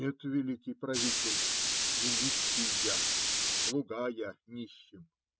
- Нет, великий правитель, не нищий я. Слуга я нищим.